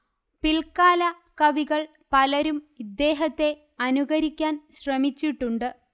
പിൽക്കാല കവികൾ പലരും ഇദ്ദേഹത്തെ അനുകരിക്കാൻ ശ്രമിച്ചിട്ടുണ്ട്